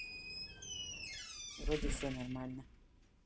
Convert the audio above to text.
вроде все нормально